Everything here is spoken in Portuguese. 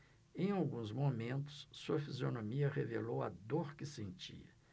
em alguns momentos sua fisionomia revelou a dor que sentia